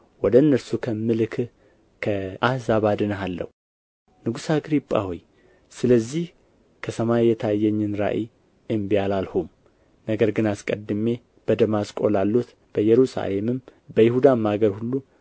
ወደ እነርሱ ከምልክህ ከአሕዛብ አድንሃለሁ ንጉሥ አግሪጳ ሆይ ስለዚህ ከሰማይ የታየኝን ራእይ እምቢ አላልሁም ነገር ግን አስቀድሜ በደማስቆ ላሉት በኢየሩሳሌምም በይሁዳም አገር ሁሉ